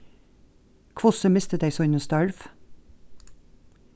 hvussu mistu tey síni størv